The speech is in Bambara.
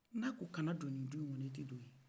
n'a ko ka na don nin du in kɔnɔ i tɛ don yen